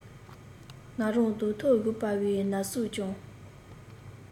ང རང རྡོག ཐོ གཞུས པའི ན ཟུག ཀྱང